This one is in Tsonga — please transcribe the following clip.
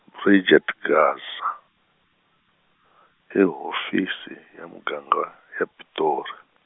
Bridget Gasa, i hofisi, ya muganga, ya Pitori.